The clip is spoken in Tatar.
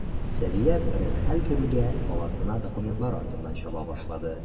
Сәвия, бераз хәл керүгә, баласына документлар артыннан чаба башлады.